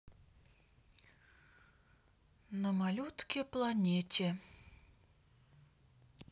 на малютке планете